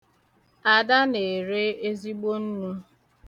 Ada na-ere ezigbo nnu.